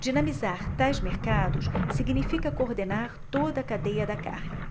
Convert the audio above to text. dinamizar tais mercados significa coordenar toda a cadeia da carne